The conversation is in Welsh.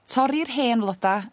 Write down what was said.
torri'r hen floda